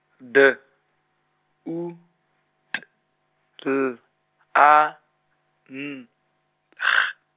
D, U, T, L, A, N, G.